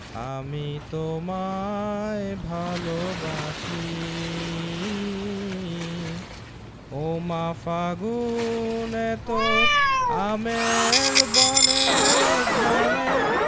আমি তোমায় ভালোবাসি ওমা ফাগুনে তোর আমের বনে ঘ্রাণে